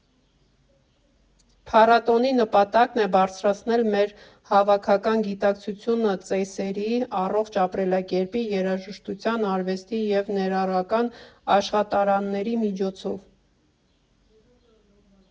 Փառատոնի նպատակն է բարձրացնել մեր հավաքական գիտակցությունը ծեսերի, առողջ ապրելակերպի, երաժշտության, արվեստի և ներառական աշխատարանների միջոցով։